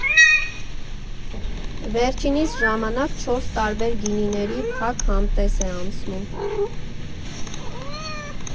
Վերջինիս ժամանակ չորս տարբեր գինիների փակ համտես է անցնում։